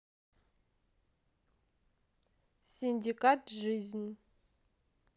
синдикат жизнь